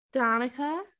Danica?